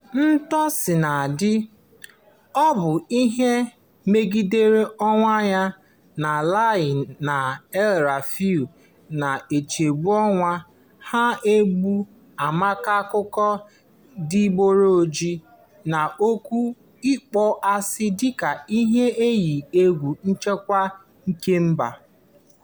Etuosinadị, ọ bụ ihe megidere onwe ya na Lai na El-Rufai na-echegbu onwe ha ugbu a maka akụkọ adịgboroja na okwu ịkpọasị dịka ihe iyi egwu nchekwa kemba.